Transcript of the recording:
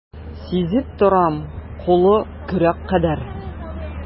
Сизеп торам, кулы көрәк кадәр.